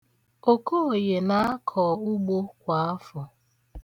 Okoye na-akọ ugbo kwa afọ.